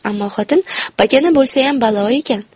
ammo xotin pakana bo'lsayam balo ekan